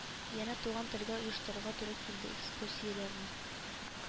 Янә Туган тел гә оештырырга туры килде экскурсияләрне